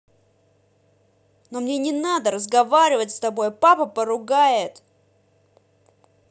но мне не надо разговаривать с тобой папа поругает